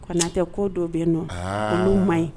Kɔnatɛ ko dɔw bɛ yen nɔ ulu man ɲi.